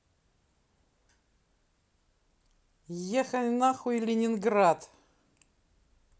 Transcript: ехай на хуй ленинград